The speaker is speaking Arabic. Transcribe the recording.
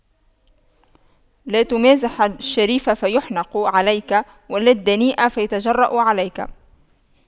لا تمازح الشريف فيحنق عليك ولا الدنيء فيتجرأ عليك